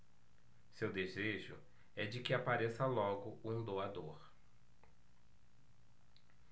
seu desejo é de que apareça logo um doador